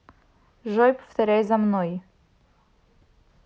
джой повторяй за мной